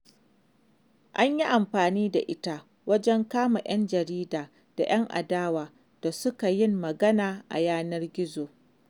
An yi amfani da ita wajen kama 'yan jarida da 'yan adawa da suka yin magana a yanar gizo.